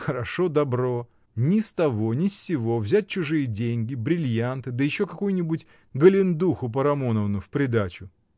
— Хорошо добро: ни с того ни с сего взять чужие деньги, бриллианты, да еще какую-нибудь Голендуху Парамоновну в придачу!